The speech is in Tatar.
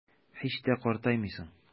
Һич тә картаймыйсың.